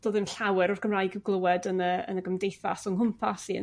do'dd dim llawer o'r Gymraeg i glywed yn y yn y gymdeithas o nghwmpas i yn